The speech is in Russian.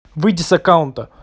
выйди с аккаунта